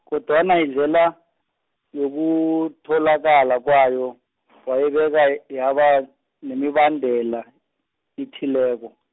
kodwana indlela, yokutholakala kwayo, wayibeka yaba, nemibandela, ethileko.